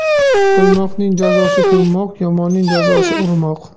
o'lmoqning jazosi ko'mmoq yomonning jazosi urmoq